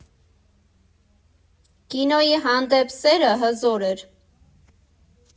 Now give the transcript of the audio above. Կինոյի հանդեպ սերը հզոր էր։